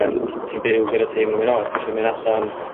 yy sy'n byw gyda ti ma' n'w'n mynd ow tisio mynd allan